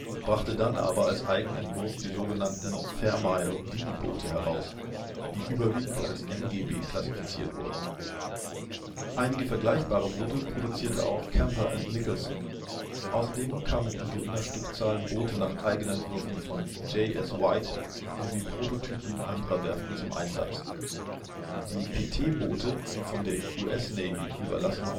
brachte dann aber als Eigenentwurf die sogenannten „ Fairmile ' D ' “Boote heraus, die überwiegend als MGB klassifiziert wurden. Einige vergleichbare Boote produzierte auch Camper & Nicholson. Außerdem kamen in geringer Stückzahl Boote nach Eigenentwürfen von J. S. White sowie Prototypen anderer Werften zum Einsatz. Die Boote (PT-Boote), die von der US-Navy überlassen